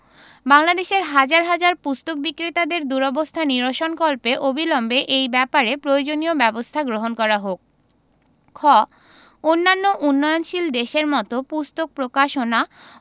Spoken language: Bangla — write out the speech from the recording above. বাংলাদেশের হাজার হাজার পুস্তক বিক্রেতাদের দুরবস্থা নিরসনকল্পে অবিলম্বে এই ব্যাপারে প্রয়োজনীয় ব্যাবস্থা গ্রহণ করা হোক খ অন্যান্য উন্নয়নশীল দেশের মত পুস্তক প্রকাশনা